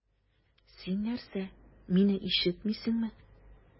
Син нәрсә, мине ишетмисеңме?